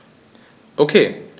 Okay.